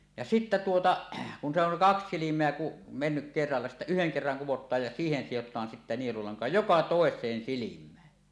ja sitten tuota kun se on kaksi silmää kun mennyt kerralla sitten yhden kerran kudotaan ja siihen sidotaan sitten nielulanka joka toiseen silmään